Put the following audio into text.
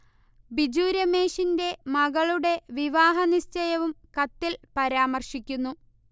ബിജു രമേശിന്റെ മകളുടെ വിവാഹ നിശ്ഛയവും കത്തിൽ പരാമർശിക്കുന്നു